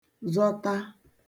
zọta